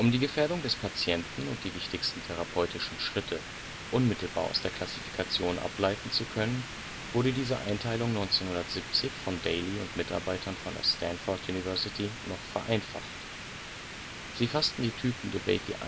die Gefährdung des Patienten und die wichtigsten therapeutischen Schritte unmittelbar aus der Klassifikation ableiten zu können, wurde diese Einteilung 1970 von Dailey und Mitarbeitern von der Stanford University noch vereinfacht. Sie fassten die Typen DeBakey I und DeBakey II zusammen